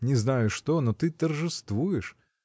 Не знаю что: но ты торжествуешь!